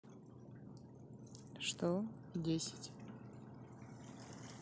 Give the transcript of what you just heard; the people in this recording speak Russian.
что десять